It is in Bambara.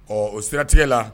Ɔ o siratigɛ la